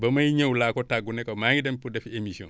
ba may ñëw laa ko tàggu ne ko maa ngi dem pour defi émission